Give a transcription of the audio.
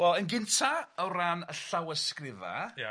Wel yn gynta o ran y llawysgrifa... ia... Iawn?